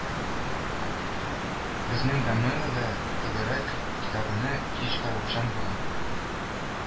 Безнең дамелла да тәбәррек китабыны кич караучан була